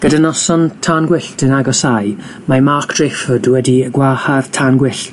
Gyda noson tan gwyllt yn agosáu, mae Mark Drakeford wedi gwahardd tân gwyllt